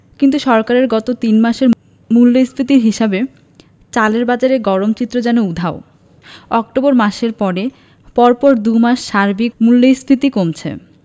কিন্তু সরকারের গত তিন মাসের মূল্যস্ফীতির হিসাবে চালের বাজারের গরম চিত্র যেন উধাও অক্টোবর মাসের পরে পরপর দুই মাস সার্বিক মূল্যস্ফীতি কমছে